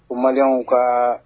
O maria ka